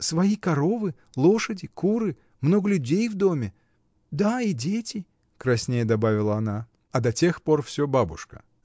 — Свои коровы, лошади, куры, много людей в доме. Да, и дети. — краснея, добавила она. — А до тех пор всё бабушка?